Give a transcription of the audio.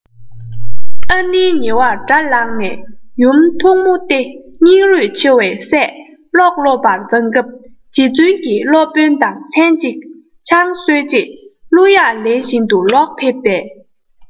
ཨ ནེའི ཉེ བ དགྲར ལངས ནས ཡུམ ཐུགས མུག སྟེ སྙིང རུས ཆེ བའི སྲས ཀློག སློབ པར བརྫངས སྐབས རྗེ བཙུན གྱིས སློབ དཔོན དང ལྷན ཅིག ཆང གསོལ རྗེས གླུ དབྱངས ལེན བཞིན དུ ལོག ཕེབས པས